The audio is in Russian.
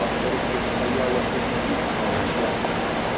Автору предстояло победить молчание.